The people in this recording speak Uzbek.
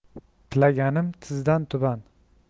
tilaganim tizdan tuban